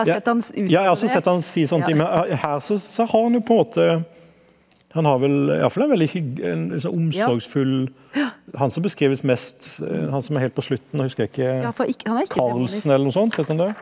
ja ja jeg har også sett han si sånne ting, men her så har han jo på en måte han har vel i hvert fall en veldig en litt sånn omsorgsfull han som beskrives mest, han som er helt på slutten, nå husker jeg ikke Karlsen eller noe sånt, het han det?